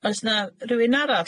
Oes 'na rywun arall?